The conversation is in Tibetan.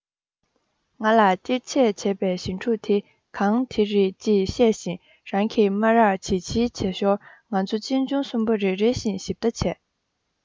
ང ལ སྟེར ཆད བྱེད པའི ཞི ཕྲུག དེ གང དེ རེད ཅེས བཤད བཞིན རང གི སྨ རར བྱིལ བྱིལ བྱེད ཞོར ང ཚོ གཅེན གཅུང གསུམ པོ རེ རེ བཞིན ཞིབ ལྟ བྱས